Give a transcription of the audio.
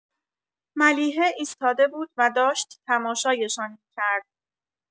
ملیحه ایستاده بود و داشت تماشایشان می‌کرد.